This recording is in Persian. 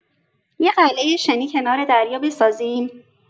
یه قلعه شنی کنار دریا بسازیم؟